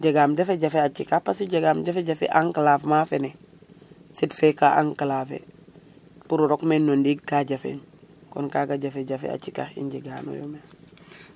jegam jafe jafe a cikax parce que jegam jafe jafe enclavement fene sit fe ka enclaver pour o roq men no ndig ka jafeñ konn kaga jafe jafe a cikax i njegano yo